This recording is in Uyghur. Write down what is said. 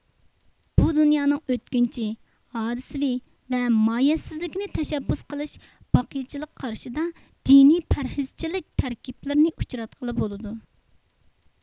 بۇ دۇنيانىڭ ئۆتكۈنچى ھادىسىۋى ۋە ماھىيەتسىزلىكىنى تەشەببۇس قىلىش باقىيچىلىق قارىشىدا دىنىي پەرھىزچىلىك تەركىبلىرىنى ئۇچراتقىلى بولىدۇ